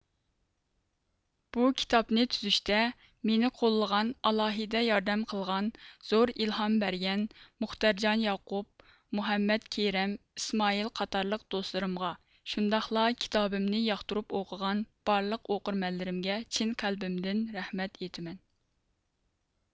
بۇ كىتابنى تۈزۈشتە مېنى قوللىغان ئالاھىدە ياردەم قىلغان زور ئىلھام بەرگەن مۇختەرجان ياقۇپ مۇھەممەد كېرەم ئىسمائىل قاتارلىق دوستلىرىمغا شۇنداقلا كىتابىمنى ياقتۇرۇپ ئوقۇغان بارلىق ئوقۇرمەنلىرىمگە چىن قەلبىمدىن رەھمەت ئېيتىمەن